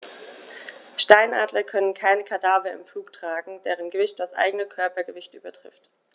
Steinadler können keine Kadaver im Flug tragen, deren Gewicht das eigene Körpergewicht übertrifft.